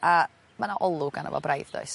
a ma' 'na olwg ano fo braidd, does?